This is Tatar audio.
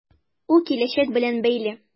Ул киләчәк белән бәйле.